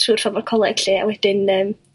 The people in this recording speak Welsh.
ffor' trw'r Coleg 'llu a wedyn yym